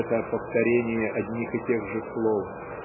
это -- повторение одних и тех же слов